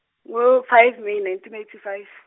ngo- five May nineteen eighty five.